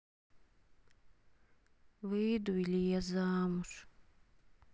выйду ли я замуж